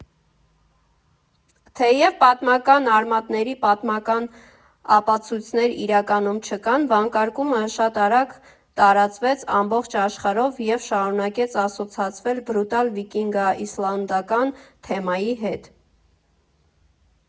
Թեև պատմական արմատների պատմական ապացույցներ իրականում չկան, վանկարկումը շատ արագ տարածվեց ամբողջ աշխարհով և շարունակեց ասոցացվել բրուտալ վիկինգաիսլանդական թեմայի հետ։